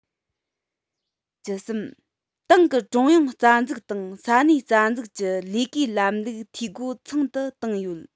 བཅུ གསུམ ཏང གི ཀྲུང དབྱང རྩ འཛུགས དང ས གནས རྩ འཛུགས ཀྱི ལས ཀའི ལམ ལུགས འཐུས སྒོ ཚང དུ བཏང ཡོད